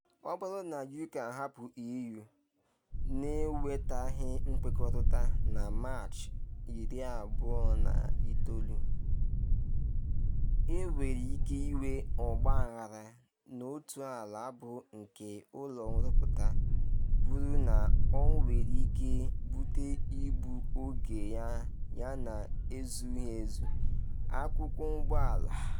Ọ bụrụ na UK ahapụ EU n’enwetaghị nkwekọrịta na Maachị 29, enwere ike inwe ọgbaghara n’oke ala bụ nke ụlọ nrụpụta kwuru na ọ nwere ike bute igbu oge yana ezughị ezu akụkụ ụgbọ ala.